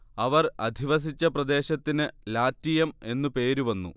അവർ അധിവസിച്ച പ്രദേശത്തിന് ലാറ്റിയം എന്നു പേര് വന്നു